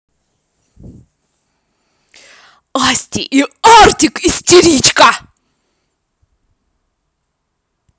асти и артик истеричка